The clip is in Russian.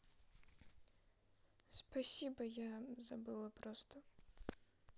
спасибо я забыла просто